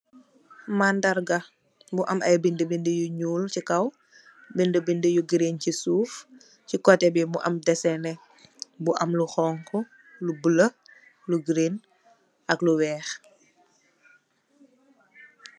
Mandarga bu am ay bindé bindé yu ñuul ci kaw , bindé bindé yu green ci suuf. Ci koteh bi mu am deséé neh bu am lu xonxu, lu bula, lu green ak lu wèèx.